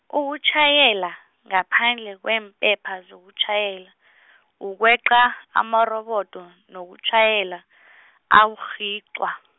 ukutjhayela, ngaphandle kweempepha zokutjhayela , ukweqa, amarobodo, nokutjhayela , aburhicwa.